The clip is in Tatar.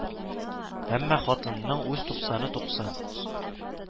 Әмма хатынының үз туксаны туксан